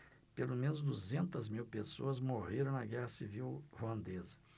pelo menos duzentas mil pessoas morreram na guerra civil ruandesa